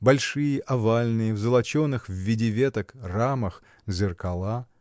большие овальные, в золоченых, в виде веток, рамах, зеркала